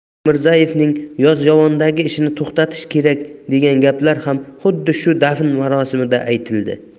bekmirzaevning yozyovondagi ishini to'xtatish kerak degan gaplar ham xuddi shu dafn marosimida aytili